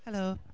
Helo.